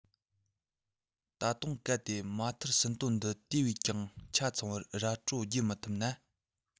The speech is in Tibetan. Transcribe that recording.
ད དུང གལ ཏེ མ མཐར ཟིན ཐོ འདི དེ བས ཀྱང ཆ ཚང བར ར སྤྲོད བགྱི མི ཐུབ ན